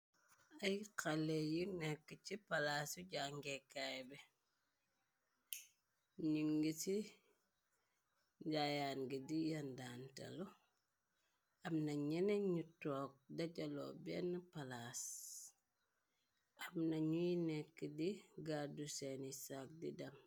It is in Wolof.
Ay xale yu nekk ci palaasu jangeekaay bi ñi ngi ci njaayaan ngi di yandaan telu amna ñenen ñu toog dajaloo benn palaas am na ñuy nekk di gaddu seeni saak di dem.